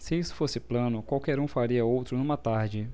se isso fosse plano qualquer um faria outro numa tarde